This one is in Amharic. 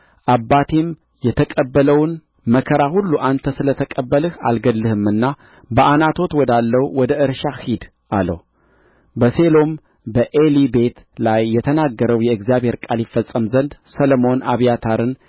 አባቴም የተቀበለውን መከራ ሁሉ አንተ ስለ ተቀበልህ አልገድልህምና በዓናቶት ወዳለው ወደ እርሻህ ሂድ አለው በሴሎም በዔሊ ቤት ላይ የተናገረው የእግዚአብሔር ቃል ይፈጸም ዘንድ ሰሎሞን አብያታርን